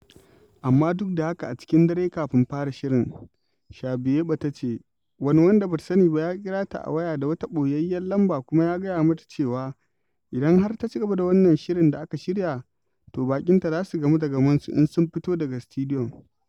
Amma duk da haka, a cikin dare kafin fara shirin, Shabuyeɓa ta ce, wani wanda ba ta sani ba ya kira ta a waya da wata ɓoyayyiyar lamba kuma ya gaya mata cewa idan har ta cigaba da wannan shirin da aka shirya, to baƙinta za su gamu da gamonsu in sun fito daga sitidiyon.